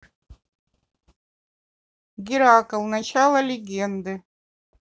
геракл начало легенды